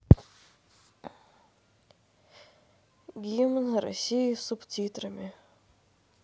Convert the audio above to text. гимн россии с субтитрами